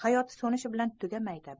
hayoti so'nishi bilan tugamaydi